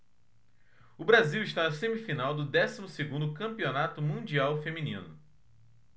o brasil está na semifinal do décimo segundo campeonato mundial feminino